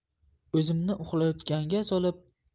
o'zimni uxlayotganga solib